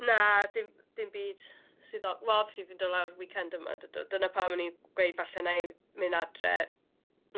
Na dim, dim byd swyddog-... Wel, obviously fi'n dod lawr weekend yma yn dydw, dyna pam o'n i'n gweud, falle wna i mynd adre